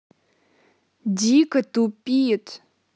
дико тупит